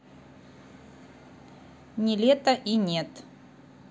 niletto и нет